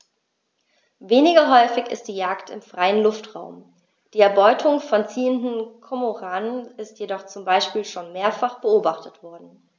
Weniger häufig ist die Jagd im freien Luftraum; die Erbeutung von ziehenden Kormoranen ist jedoch zum Beispiel schon mehrfach beobachtet worden.